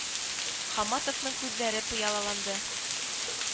Хамматовның күзләре пыялаланды